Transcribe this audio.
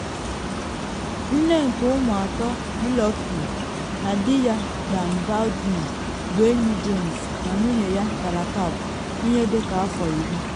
Nne nke ụmụ atọ Willoughby na dị ya Dan Baldwin bụ enyi Jones na nwunye ya Tara Capp ihe dị ka afọ iri.